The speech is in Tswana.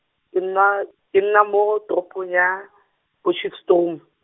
ke nna, ke nna mo toropong ya, Potchefstroom.